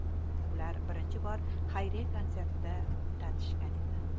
ular birinchi bor xayriya konsertida tanishishgan edi